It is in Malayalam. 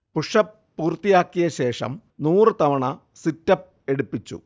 പുഷ്അപ് പൂർത്തിയാക്കിയ ശേഷം നൂറു തവണ സിറ്റ്അപ് എടുപ്പിച്ചു